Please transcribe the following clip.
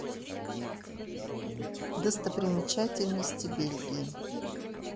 достопримечательности бельгии